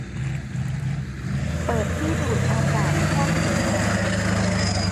เปิดที่ดูดอากาศห้องเก็บของ